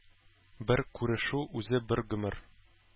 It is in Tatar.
Бер күрешү үзе бер гомер.